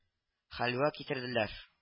Хәлвә китерделәр